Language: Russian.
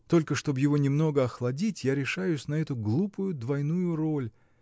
Только чтоб его немного охладить, я решаюсь на эту глупую, двойную роль.